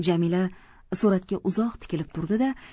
jamila suratga uzoq tikilib turdi da